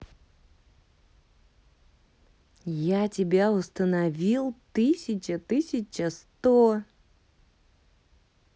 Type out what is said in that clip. я тебя установил тысяча тысяча сто